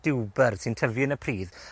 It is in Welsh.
diwbyr sy'n tyfu yn y pridd.